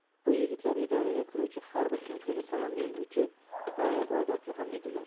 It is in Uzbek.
bu yigitlar idoraga kiruvchi har bir kimsaga salom berguchi bag'oyat odobli ham edilar